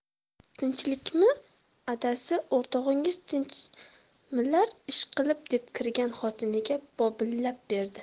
tinchlikmi adasi o'rtog'ingiz tinchmilar ishqilib deb kirgan xotiniga bobillab berdi